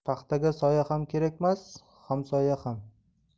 paxtaga soya ham kerak emas hamsoya ham